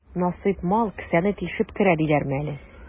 Насыйп мал кесәне тишеп керә диләрме әле?